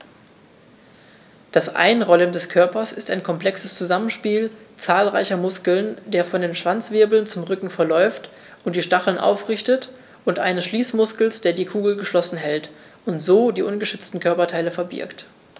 Das Einrollen des Körpers ist ein komplexes Zusammenspiel zahlreicher Muskeln, der von den Schwanzwirbeln zum Rücken verläuft und die Stacheln aufrichtet, und eines Schließmuskels, der die Kugel geschlossen hält und so die ungeschützten Körperteile verbirgt.